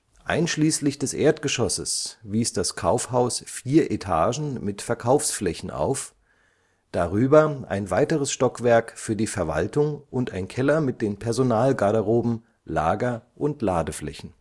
Einschließlich des Erdgeschosses wies das Kaufhaus vier Etagen mit Verkaufsflächen auf, darüber ein weiteres Stockwerk für die Verwaltung und ein Keller mit den Personalgarderoben, Lager und Ladeflächen